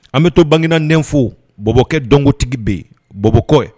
An bɛ to banginanenfo bɔkɛ dɔnkilitigi bɛ yen bɔbokɔ